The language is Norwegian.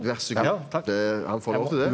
vær så god det han får lov til det?